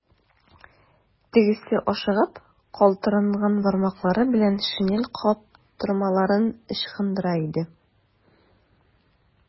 Тегесе ашыгып, калтыранган бармаклары белән шинель каптырмаларын ычкындыра иде.